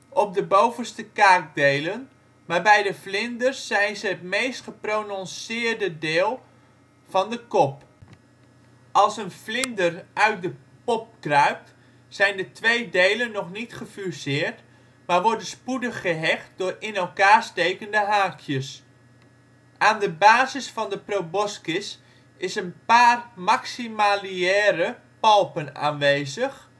op de bovenste kaakdelen, maar bij de vlinders zijn ze het meest geprononceerde deel van de kop. Als een vlinder uit de pop kruipt zijn de twee delen nog niet gefuseerd maar worden spoedig gehecht door in elkaar stekende haakjes. Aan de basis van de proboscis is een paar maxiliaire palpen aanwezig